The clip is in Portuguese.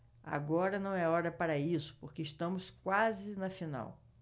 agora não é hora para isso porque estamos quase na final